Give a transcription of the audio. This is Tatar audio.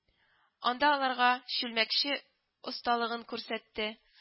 Анда аларга чүлмәкче осталыгын күрсәтте